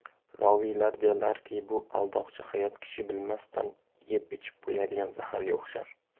roviylar derlarki bu aldoqchi hayot kishi bilmasdan yeb ichib qo'yadigan zaharga o'xshar